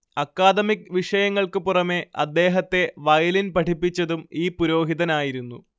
academic വിഷയങ്ങൾക്കു പുറമേ അദ്ദേഹത്തെ വയലിൻ പഠിപ്പിച്ചതും ഈ പുരോഹിതനായിരുന്നു